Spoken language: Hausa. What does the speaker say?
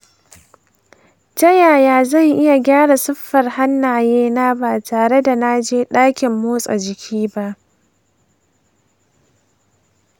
ta yaya zan iya gyara siffar hannayena ba tare da na je dakin motsa jiki ba?